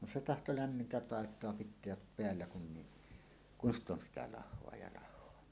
no se tahtoi lämmintä paitaa pitää päällä kun niin kun sitä on sitä lahoa ja - lahoa